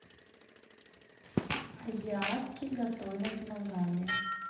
азиатки готовят ногами